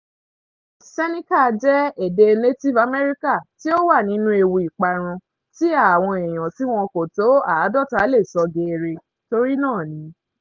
Seneca jẹ́ èdè Native America tí ó wà nínú ewu ìparun tí àwọn èèyàn tí wọ́n kò tó 50 lè sọ geere, torí náà ni